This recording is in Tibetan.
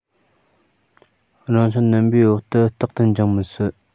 རང བྱུང རྣམ པའི འོག ཏུ རྟག ཏུ འབྱུང མི སྲིད